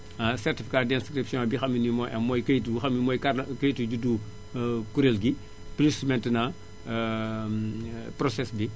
certificat d' inscription bi xam ne nii mooy mooy kayit bi xam ne mooy carte d' ident kayitu juddu kuréel gi plus maintenent process bi